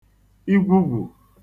igwugwù